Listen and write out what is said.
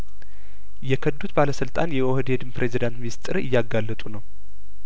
የከዱት ባለስልጣን የኦህዴድን ፕሬዝዳንት ሚስጥር እያጋለጡ ነው